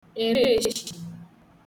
èreshì